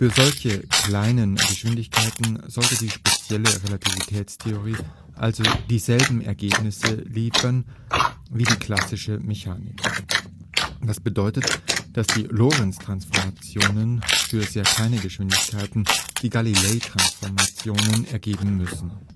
solche kleinen Geschwindigkeiten sollte die spezielle Relativitätstheorie also dieselben Ergebnisse liefern wie die klassische Mechanik. Das bedeutet, dass die Lorentztransformationen für sehr kleine Geschwindigkeiten die Galilei-Transformationen ergeben müssen